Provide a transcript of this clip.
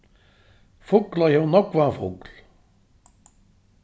fugloy hevur nógvan fugl